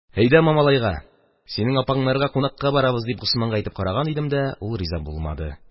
Әйдә Мамалайга, синең апаңнарга кунакка барабыз, дип, Госманга әйтеп караган идем, ул риза булмады.